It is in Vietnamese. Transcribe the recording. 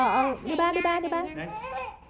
đưa ba dưa ba